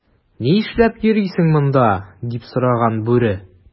"нишләп йөрисең монда,” - дип сораган бүре.